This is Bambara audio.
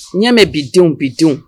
Ɲɛmɛ bi denw bi denw